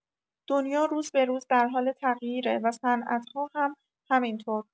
دنیا روز به‌روز در حال تغییره و صنعت‌ها هم همینطور.